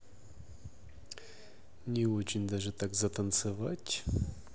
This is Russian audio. не очень даже так затанцевать